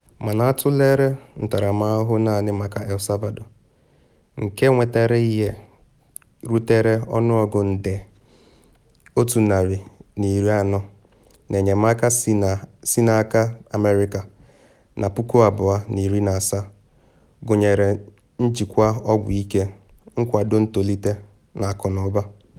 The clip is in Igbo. Mana atụlere ntaramahụhụ naanị maka El Salvador, nke nwetara ihe rutere ọnụọgụ nde $140 n’enyemaka si n’aka America na 2017, gụnyere njikwa ọgwụ ike, nkwado ntolite na akụnụba.